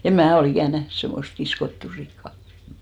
en minä ole ikinä nähnyt semmoista kiskottua sikaa